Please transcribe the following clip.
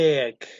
deg